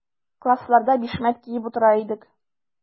Классларда бишмәт киеп утыра идек.